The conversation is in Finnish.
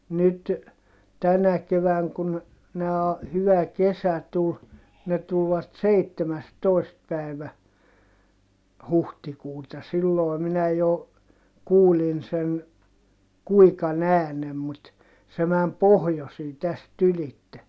nyt tänä keväänä kun nämä hyvä kesä tuli ne tulivat seitsemästoista päivä huhtikuuta silloin minä jo kuulin sen kuikan äänen mutta se meni pohjoiseen tästä ylitse